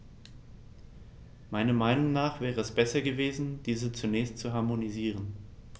Meiner Meinung nach wäre es besser gewesen, diese zunächst zu harmonisieren.